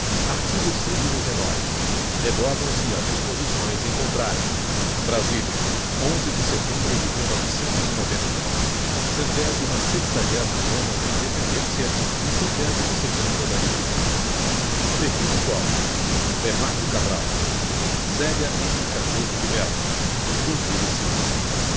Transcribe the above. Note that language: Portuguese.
artigo cento e dezenove revogam se as disposições em contrario brasília onze de setembro de mil novecentos e noventa centésima sexagésima nona da independência e centésima segunda da república fernando collor bernardo cabral zelia n cardoso de melo uzile silva